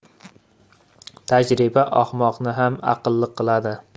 tajriba ahmoqni ham aqlli qiladi